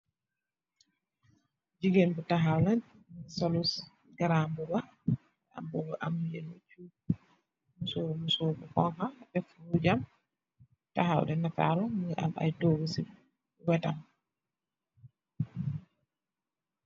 Jigéen bu taxaw, sollu grambuba, musóor musóor bu xoñxa, taxaw di nataalu, mu ngi am ay toogu ci wettam.